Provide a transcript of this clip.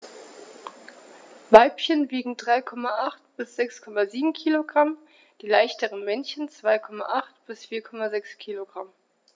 Weibchen wiegen 3,8 bis 6,7 kg, die leichteren Männchen 2,8 bis 4,6 kg.